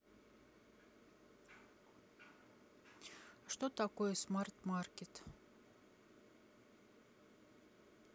что такое smart market